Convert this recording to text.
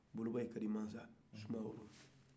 bolobaw kari masa soumaoro